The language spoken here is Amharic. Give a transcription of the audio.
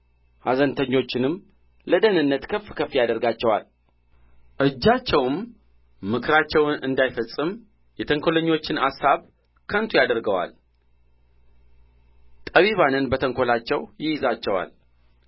ኀዘንተኞችንም ለደኅንነት ከፍ ከፍ ያደርጋቸዋል እጃቸውም ምክራቸውን እንዳይፈጽም የተንኰለኞችን አሳብ ከንቱ ያደርገዋል ጠቢባንን በተንኰላቸው ይይዛቸዋል